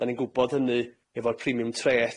'Dan ni'n gwbod hynny efo'r premiwm treth